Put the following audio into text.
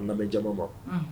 A lamɛnbe jama ma